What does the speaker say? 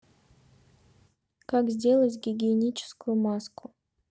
как сделать гигиеническую маску